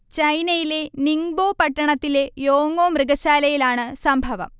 ചൈനയിലെ നിങ്ബോ പട്ടണത്തിലെ യോങോ മൃഗശാലയിലാണ് സംഭവം